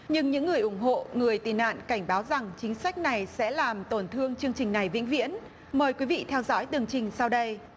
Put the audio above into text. nhưng những người ủng hộ người tị nạn cảnh báo rằng chính sách này sẽ làm tổn thương chương trình này vĩnh viễn mời quý vị theo dõi tường trình sau đây